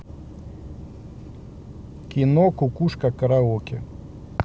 кино кукушка караоке